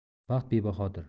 vaqt bebahodir